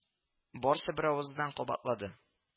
Барсы беравыздан кабатлады: